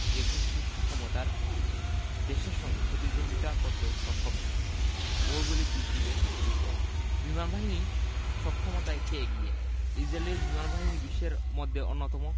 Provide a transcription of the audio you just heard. যেকোনো শীর্ষ ক্ষমতার দেশের সঙ্গে প্রতিদ্বন্দ্বিতা করতে সক্ষম তারা ভৌগোলিক দিক দিয়ে ইসরায়েল বিমানবাহীর সক্ষমতায় কে এগিয়ে ইসরায়েলের বিমানবাহিনী বিশ্বের মধ্যে অন্যতম